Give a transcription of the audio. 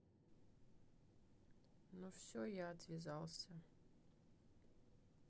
а ну все я отвязался